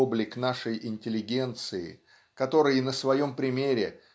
облик нашей интеллигенции который на своем примере